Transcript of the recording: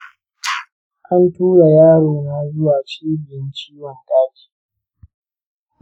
an tura yaro na zuwa cibiyan ciwon daji.